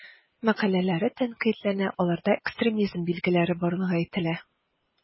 Мәкаләләре тәнкыйтьләнә, аларда экстремизм билгеләре барлыгы әйтелә.